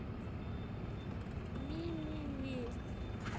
ми ми ми